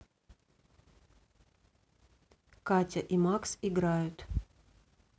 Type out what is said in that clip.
катя и макс играют